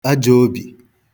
ajọ̄ ōbì